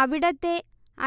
അവിടത്തെ